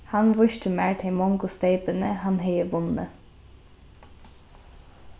hann vísti mær tey mongu steypini hann hevði vunnið